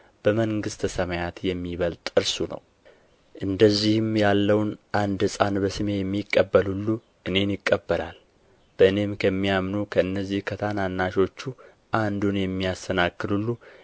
በመንግሥተ ሰማያት የሚበልጥ እርሱ ነው እንደዚህም ያለውን አንድ ሕፃን በስሜ የሚቀበል ሁሉ እኔን ይቀበላል በእኔም ከሚያምኑ ከነዚህ ከታናናሾቹ አንዱን የሚያሰናክል ሁሉ